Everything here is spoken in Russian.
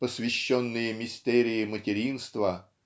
посвященные мистерии материнства